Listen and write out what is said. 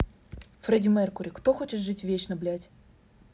freddie mercury кто хочет жить вечно блять